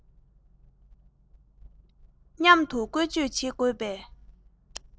མཉམ དུ བཀོལ སྤྱོད བྱེད དགོས པས